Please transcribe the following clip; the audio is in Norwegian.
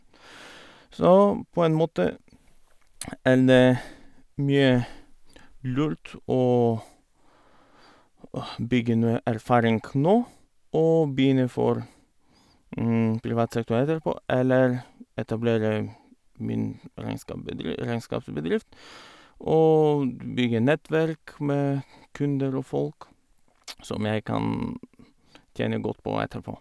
Så på en måte er det mye lurt å å bygge noe erfaring nå, og begynne for privat sektor etterpå, eller etablere min regnskapbedri regnskapsbedrift og d bygge nettverk med kunder og folk som jeg kan tjene godt på etterpå.